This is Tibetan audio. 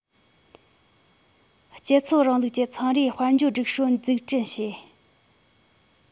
སྤྱི ཚོགས རིང ལུགས ཀྱི ཚོང རའི དཔལ འབྱོར སྒྲིག སྲོལ འཛུགས སྐྲུན བྱེད